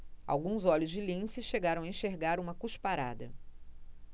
alguns olhos de lince chegaram a enxergar uma cusparada